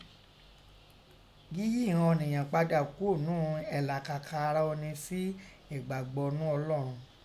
Yíyí ìghọn ọ̀nìyàn padà kúò ńnú ẹ̀làkàkà ara ọni sí ẹ̀gbàgbọ́ ńnú Ọlọ́un